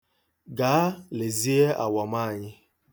Gaa, lezie awọm anyị.